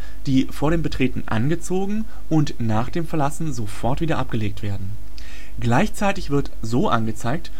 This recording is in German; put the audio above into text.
vor dem Betreten angezogen und nach dem Verlassen sofort wieder abgelegt werden. Gleichzeitig wird so angezeigt